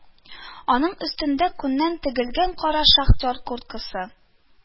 Аның өстендә күннән тегелгән кара шахтер курткасы